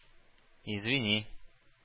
Извини